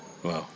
waaw